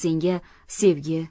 senga sevgi